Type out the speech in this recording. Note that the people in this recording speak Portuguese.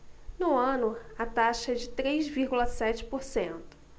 no ano a taxa é de três vírgula sete por cento